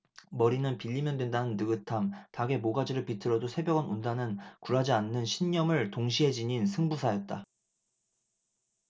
머리는 빌리면 된다는 느긋함 닭의 모가지를 비틀어도 새벽은 온다는 굴하지 않는 신념을 동시에 지닌 승부사였다